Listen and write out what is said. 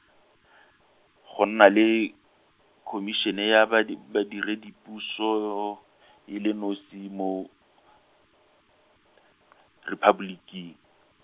go na le, khomišene ya badi- badiredipuso, e le nosi mo, Rephaboliking.